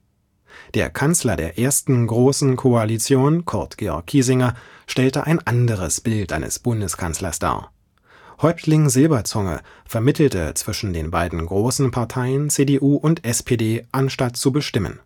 Der Kanzler der ersten großen Koalition Kurt Georg Kiesinger stellte ein anderes Bild eines Bundeskanzlers dar. „ Häuptling Silberzunge “vermittelte zwischen den beiden großen Parteien CDU und SPD anstatt zu bestimmen